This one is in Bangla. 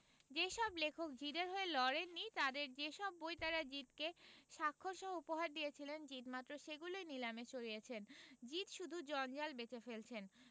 যে সব লেখক জিদে র হয়ে লড়েন নি তাঁদের যে সব বই তাঁরা জিদ কে স্বাক্ষরসহ উপহার দিয়েছিলেন জিদ মাত্র সেগুলোই নিলামে চড়িয়েছেন জিদ শুধু জঞ্জাল বেচে ফেলছেন